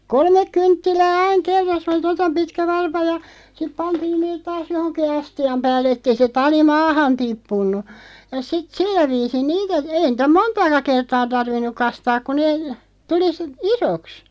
kolme kynttilää aina kerrassa se oli tuota pitkä varpa ja sitten pantiin ne taas johonkin astian päälle että ei se tali maahan tippunut ja sitten sillä viisiin niitä ei niitä montaakaan kertaa tarvinnut kastaa kun ne tuli - isoksi